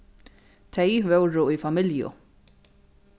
tey vóru í familju